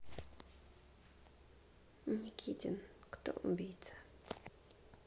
никитин кто убийца